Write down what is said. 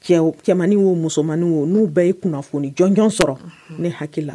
Cɛ cɛmanmaninin o musomanmani o n'u bɛɛ ye kunnafoni jɔnj sɔrɔ ne hakilila